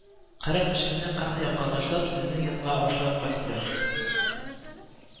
Кырык эшемне кырык якка ташлап, сезнең янга ашкынып кайттым